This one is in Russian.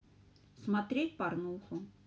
смотреть порнуху